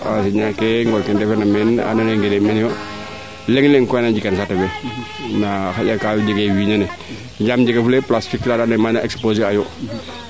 enseignant ke xaƴa ngoor ke ndefeer na meen ando naye ngene meenoyo leŋ leŋ koy ana njikanoyo saate fe nda xaƴa kaa jegee wiinane yaam njegee place fixe kaa ando anye mana exposer ayo